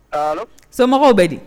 Sama bɛ di